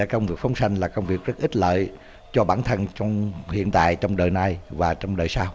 công việc phóng sanh là công việc rất ích lợi cho bản thân trong hiện tại trong đời nay và trong đời sau